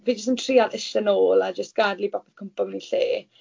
Fi jyst yn trial eistedd nôl a jyst gadael i bopeth cwmpo mewn i lle.